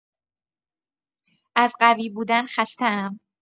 از قوی بودن خسته‌ام.